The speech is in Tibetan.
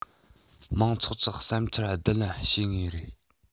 མང ཚོགས ཀྱི བསམ འཆར བསྡུ ལེན བྱེད ངེས རེད